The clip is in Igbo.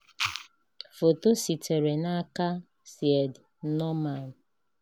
Foto sitere n'aka Syed Noman.